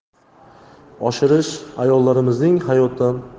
oshirish ayollarimizning hayotdan rozi